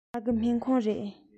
ཕ གི སྨན ཁང རེད